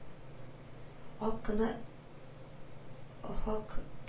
Ак кына ахак